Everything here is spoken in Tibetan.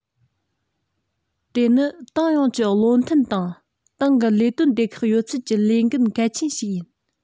དེ ནི ཏང ཡོངས ཀྱི བློ མཐུན དང ཏང གི ལས དོན སྡེ ཁག ཡོད ཚད ཀྱི ལས འགན གལ ཆེན ཞིག ཡིན